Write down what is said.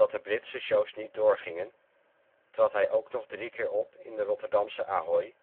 de Britse shows niet doorgingen, trad hij ook nog drie keer op in de Rotterdamse Ahoy